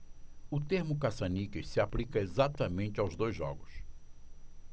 o termo caça-níqueis se aplica exatamente aos dois jogos